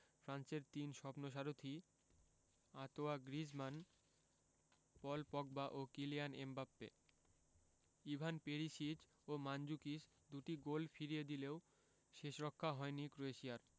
ফ্রান্সের তিন স্বপ্নসারথি আঁতোয়া গ্রিজমান পল পগবা ও কিলিয়ান এমবাপ্পে ইভান পেরিসিচ ও মানজুকিচ দুটি গোল ফিরিয়ে দিলেও শেষরক্ষা হয়নি ক্রোয়েশিয়ার